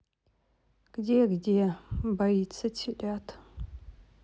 где где боится телят